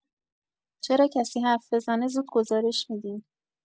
چرا کسی حرف بزنه زود گزارش می‌دین